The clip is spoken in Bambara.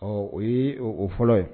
Ɔɔ o ye o fɔlɔ ye.